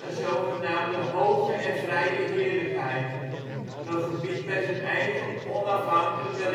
zogenaamde " Hooge en vrije heerlijkheid, " een gebied met een eigen onafhankelijke